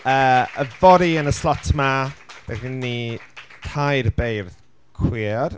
Yy, yfory yn y slot 'ma, ma' gyda ni tair beirdd cwiar.